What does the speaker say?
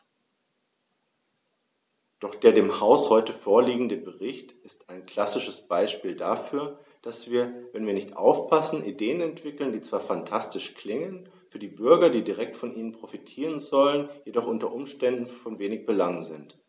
Doch der dem Haus heute vorliegende Bericht ist ein klassisches Beispiel dafür, dass wir, wenn wir nicht aufpassen, Ideen entwickeln, die zwar phantastisch klingen, für die Bürger, die direkt von ihnen profitieren sollen, jedoch u. U. von wenig Belang sind.